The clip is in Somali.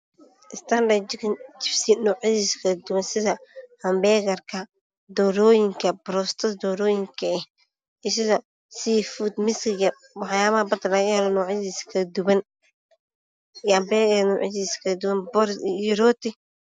Istanban jikin jibsi kala duwan sida banbegarkaa dorooyinka borastda doroyinka ah iyo sida sifoodka wxyabaha bada laga helo nocyadiisa kala duwan iyo rooti